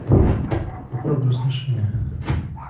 попробуй рассмеши меня